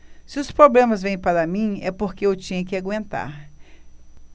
se os problemas vêm para mim é porque eu tinha que aguentar